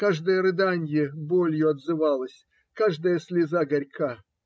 Каждое рыданье болью отзывалось, каждая слеза горька.